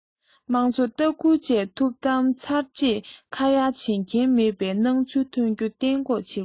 དམངས གཙོ ལྟ སྐུལ བཅས ཐུབ བདམས ཚར རྗེས ཁ ཡ བྱེད མཁན མེད པའི སྣང ཚུལ ཐོན རྒྱུ གཏན འགོག བྱེད དགོས